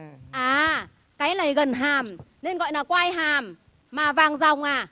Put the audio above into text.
à cái này gần hàm nên gọi là quai hàm mà vàng ròng à